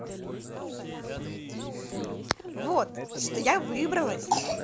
вот что я выбралась